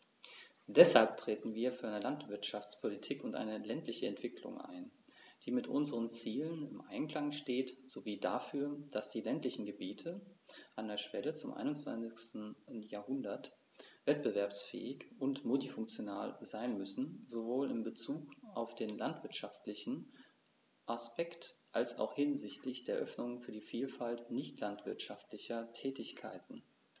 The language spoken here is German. Deshalb treten wir für eine Landwirtschaftspolitik und eine ländliche Entwicklung ein, die mit unseren Zielen im Einklang steht, sowie dafür, dass die ländlichen Gebiete an der Schwelle zum 21. Jahrhundert wettbewerbsfähig und multifunktional sein müssen, sowohl in Bezug auf den landwirtschaftlichen Aspekt als auch hinsichtlich der Öffnung für die Vielfalt nicht landwirtschaftlicher Tätigkeiten.